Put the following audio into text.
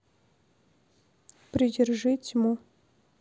придержи тьму